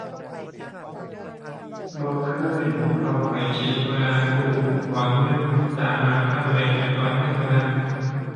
บ่เคย เพราะข้อยคิดว่าตู้ถอนเงินสามารถทำได้แค่ถอนเงินเท่านั้น